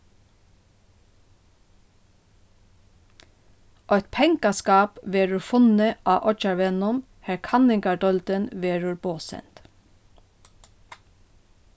eitt pengaskáp verður funnið á oyggjarvegnum har kanningardeildin verður boðsend